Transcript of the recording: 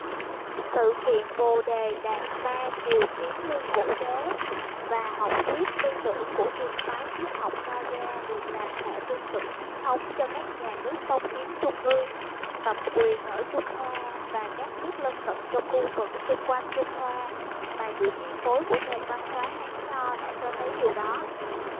sự kiện bồ đề đạt ma triều kiến lương vũ đế và học thuyết tư tưởng của trường phái triết học nho gia được làm hệ tư tưởng chính thống cho các nhà nước phong kiến trung ương tập quyền ở trung hoa và các nước lân cận trong khu vực xung quanh trung hoa mà chịu chi phối của nền văn hóa hán nho đã cho thấy điều đó